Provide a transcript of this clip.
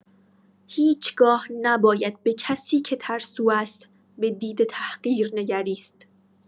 هیچ‌گاه نباید به کسی که ترسو است، به دیده تحقیر نگریست.